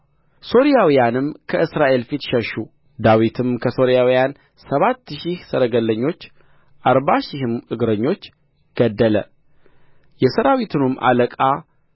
ሶርያውያንም ከእስራኤል ፊት ሸሹ ዳዊትም ከሶርያውያን ሰባት ሺህ ሰረገለኞች አርባ ሺህም እግረኞች ገደለ የሠራዊቱንም አለቃ